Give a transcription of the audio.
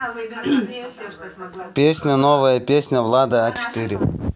песня новая песня влада а четыре